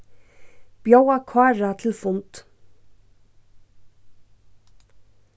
bjóða kára til fund